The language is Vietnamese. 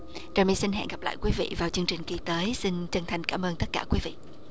trà my xin hẹn gặp lại quý vị vào chương trình kỳ tới xin chân thành cảm ơn tất cả quý vị